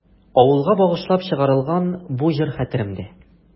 Авылга багышлап чыгарылган бу җыр хәтеремдә.